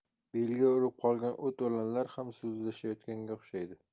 belga urib qolgan o't o'lanlar ham so'zlashayotganga o'xshaydi